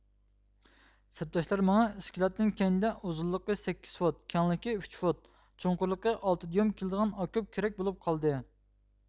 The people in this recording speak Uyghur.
سەپداشلار ماڭا ئىسكىلاتنىڭ كەينىدە ئۇزۇنلۇقى سەككىز فوت كەڭلىكى ئۈچ فوت چوڭقۇرلۇقى ئالتە دىيۇم كېلىدىغان ئاكوپ كېرەك بولۇپ قالدى